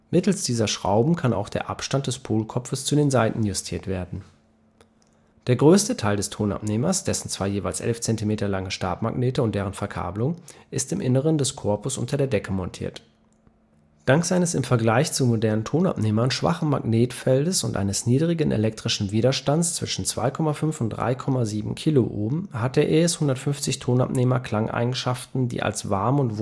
Mittels dieser Schrauben kann auch der Abstand des Polkopfes zu den Saiten justiert werden. Der größte Teil des Tonabnehmers, dessen zwei jeweils 11 cm lange Stabmagnete und deren Verkabelung, ist im Inneren des Korpus unter der Decke montiert. Dank seines im Vergleich zu modernen Tonabnehmern schwachen Magnetfeldes und eines niedrigen elektrischen Widerstands zwischen 2,5 und 3,7 Kiloohm hat der ES-150-Tonabnehmer Klangeigenschaften, die als „ warm